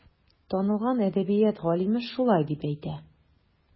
Танылган әдәбият галиме шулай дип әйтә.